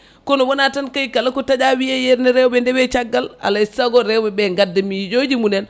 kono wona tan kayi kala ko taaƴa wiiye henna rewɓe ndewe caggal alay saago rewɓeɓe gadda miijoji munen